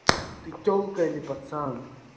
ты телка или пацан